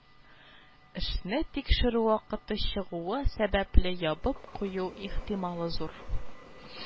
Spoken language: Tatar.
Эшне тикшерү вакыты чыгуы сәбәпле ябып кую ихтималы зур